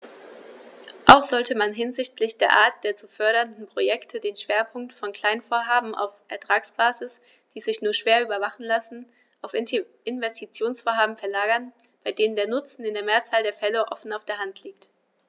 Auch sollte man hinsichtlich der Art der zu fördernden Projekte den Schwerpunkt von Kleinvorhaben auf Ertragsbasis, die sich nur schwer überwachen lassen, auf Investitionsvorhaben verlagern, bei denen der Nutzen in der Mehrzahl der Fälle offen auf der Hand liegt.